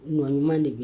Ɲɔ ɲuman de bɛ yen